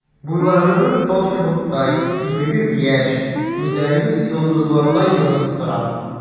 Буйларыгыз талчыбыктай, үзегез яшь, күзләрегез йолдызлардай янып тора.